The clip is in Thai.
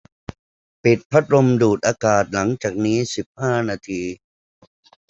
ปิดพัดลมดูดอากาศหลังจากนี้สิบห้านาที